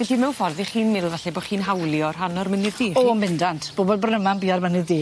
Felly mewn ffordd 'ych chi'n meddwl falle bo' chi'n hawlio rhan o'r Mynydd Du? O'n bendant. Bobol Bryn Aman bia'r Mynydd Du.